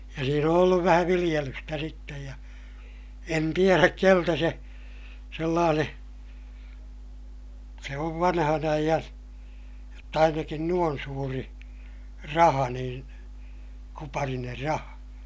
ja siinä on ollut vähän viljelystä sitten ja en tiedä keneltä se sellainen se on vanhan ajan jotta ainakin noin suuri raha niin kuparinen raha